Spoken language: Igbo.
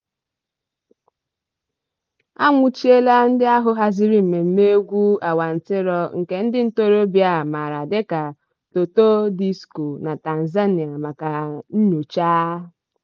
A nwụchiela ndị ahụ haziri mmemme egwu awantịrọ nke ndị ntorobịa a maara dịka 'Toto disco' na Tanzania maka nnyocha.